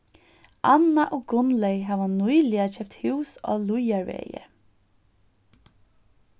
anna og gunnleyg hava nýliga keypt hús á líðarvegi